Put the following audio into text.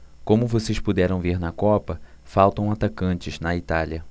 como vocês puderam ver na copa faltam atacantes na itália